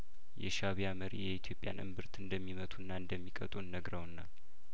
የሻእቢያ መሪ የኢትዮጵያን እምብርት እንደሚመቱና እንደሚቀጡን ነግረውናል